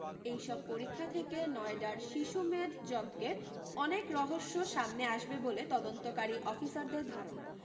এই সব পরীক্ষা থেকে নয়ডার শিশুমেধ যজ্ঞের অনেক রহস্য সামনে আসবে বলে তদন্তকারী অফিসারদের ধারণা